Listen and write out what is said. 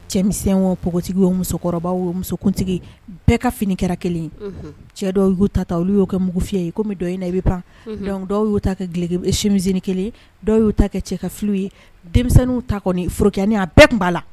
Cɛmisɛn o pogotigi o musokɔrɔba o musokuntigi bɛɛ ka fini kɛra 1 ye unhun cɛ dɔw y'u ta ta olu y'o kɛ mugufiyɛ ye comme dɔn in na i be pan unhun donc dɔw y'u ta kɛ gilegi b e chémise nin 1 ye dɔw y'u ta kɛ cɛkafiliw ye denmisɛnninw ta kɔni forokiyanin a bɛɛ kun b'a la